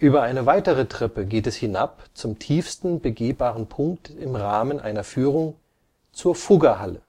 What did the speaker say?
Über eine weitere Treppe geht es hinab zum tiefsten begehbaren Punkt im Rahmen einer Führung, zur Fuggerhalle